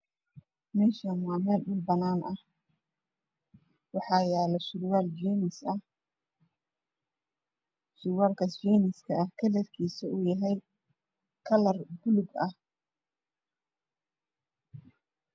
Meeshan waa meel dhulbanaan ah waxaa yaalo surwaaal jeemis ah surwalkas kalarkisu yahay kalar bulug ah